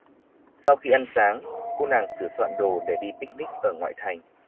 sau khi ăn sáng cô nàng sửa soạn đồ để đi picnic ở ngoại thành